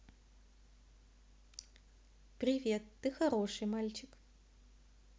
привет ты хороший мальчик